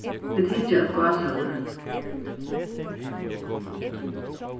vit hyggja at gáshólmi